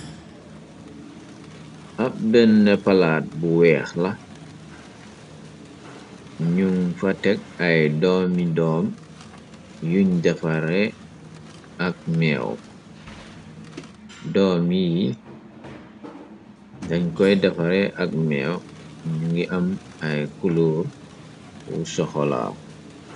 Ab benn palaat bu weex la ñu fa teg ay doomi doom yuñ defare ak meew doom yi yi dañ koy defare ak meew ñu ngi am ay kuluor wu soxolaa.